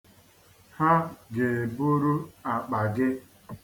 Ha ga-eburu akpa gị.